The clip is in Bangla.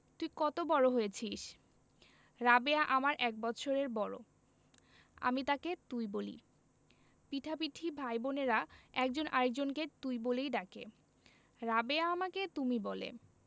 তুই কত বড় হয়েছিস রাবেয়া আমার এক বৎসরের বড় আমি তাকে তুই বলি পিঠাপিঠি ভাই বোনেরা একজন আরেক জনকে তুই বলেই ডাকে রাবেয়া আমাকে তুমি বলে